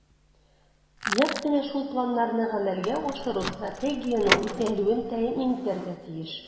Нәкъ менә шул планнарны гамәлгә ашыру Стратегиянең үтәлүен тәэмин итәргә тиеш.